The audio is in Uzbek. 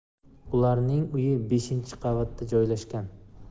ularning uyi beshinchi qavatda joylashgan